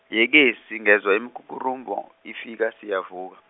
yeke singezwa imikukurumbu, ifika siyavuka.